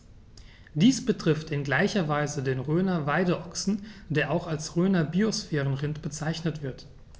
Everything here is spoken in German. Dies betrifft in gleicher Weise den Rhöner Weideochsen, der auch als Rhöner Biosphärenrind bezeichnet wird.